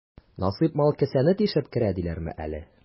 Насыйп мал кесәне тишеп керә диләрме әле?